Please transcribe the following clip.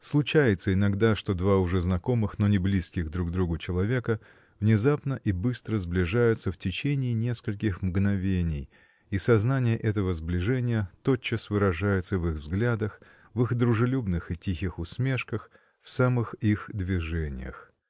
Случается иногда, что два уже знакомых, но не близких друг другу человека внезапно и быстро сближаются в течение нескольких мгновений -- и сознание этого сближения тотчас выражается в их взглядах, в их дружелюбных и тихих усмешках, в самых их движениях.